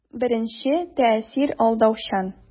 Беренче тәэсир алдаучан.